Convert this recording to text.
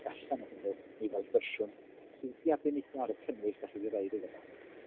Ac allan o hwnnw mi ddoith fersiwn sydd wedi arbenigo ar y cynnwys dach chi 'di roid iddo fo.